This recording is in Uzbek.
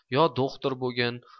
yo do'xtir bo'gin